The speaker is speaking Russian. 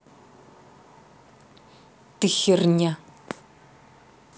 ты херня